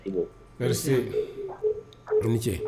Ibe merci i ni ce